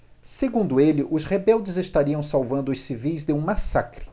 segundo ele os rebeldes estariam salvando os civis de um massacre